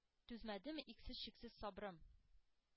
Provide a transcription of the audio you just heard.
Түзмәдемме... иксез-чиксез сабрым